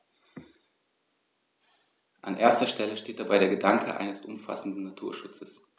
An erster Stelle steht dabei der Gedanke eines umfassenden Naturschutzes.